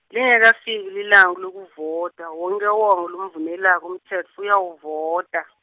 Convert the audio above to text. Lingakefiki lilanga lekuvota wonkhewonkhe lomvumelako umtsetfo uyawuvota.